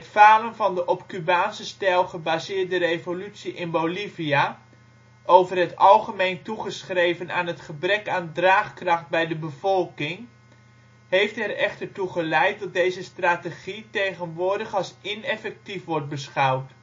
falen van de op ' Cubaanse stijl ' gebaseerde revolutie in Bolivia, over het algemeen toegeschreven aan het gebrek aan draagkracht bij de bevolking, heeft er echter toe geleid dat deze strategie tegenwoordig als ineffectief wordt beschouwd